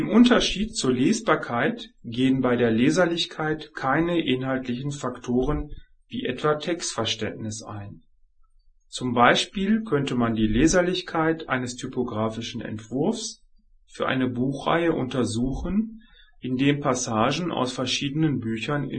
Unterschied zur Lesbarkeit gehen bei der Leserlichkeit keine inhaltlichen Faktoren wie etwa Textverständnis ein. Zum Beispiel könnte man die Leserlichkeit eines typographischen Entwurfs für eine Buchreihe untersuchen, in dem Passagen aus verschiedenen Büchern in